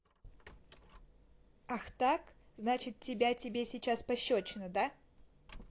ах так значит тебя тебе сейчас пощечина да